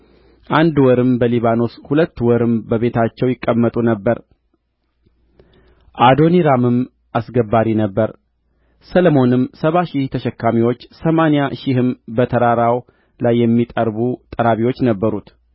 አንድ ወርም በሊባኖስ ሁለት ወርም በቤታቸው ይቀመጡ ነበር አዶኒራምም አስገባሪ ነበረ ሰሎሞንም ሰባ ሺህ ተሸካሚዎች ሰማንያ ሺህም በተራራው ላይ የሚጠርቡ ጠራቢዎች ነበሩት